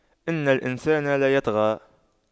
إِنَّ الإِنسَانَ لَيَطغَى